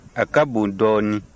a ka bon dɔɔnin